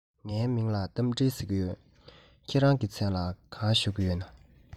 ངའི མིང ལ རྟ མགྲིན ཟེར གྱི ཡོད ཁྱེད རང གི མཚན ལ གང ཞུ གི ཡོད ན